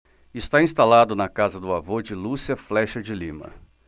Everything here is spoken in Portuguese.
está instalado na casa do avô de lúcia flexa de lima